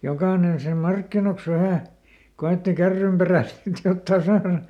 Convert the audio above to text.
jokainen sinne markkinoiksi vähän koetti kärrynperään sitten jotakin saada